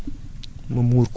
ma wut bache